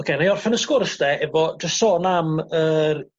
oce na'i orffan y sgwrs de efo jys sôn am yr